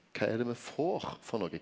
kva er det me får for noko?